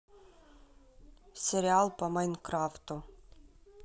сериал по майнкрафту